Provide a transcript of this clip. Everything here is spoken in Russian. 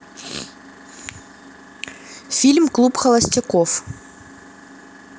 фильм клуб холостяков